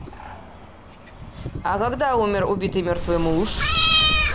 а когда умер убитый мертвый муж